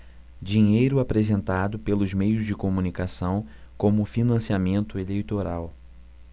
dinheiro apresentado pelos meios de comunicação como financiamento eleitoral